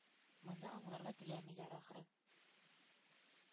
Моны аңларга теләмиләр, ахры.